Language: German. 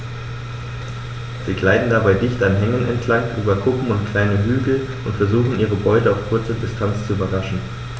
Sie gleiten dabei dicht an Hängen entlang, über Kuppen und kleine Hügel und versuchen ihre Beute auf kurze Distanz zu überraschen.